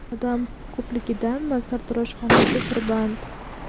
odam ko'pligidanmi sartaroshxonasi tirband